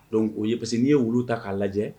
Don o ye parce que n'i ye wulu ta k'a lajɛ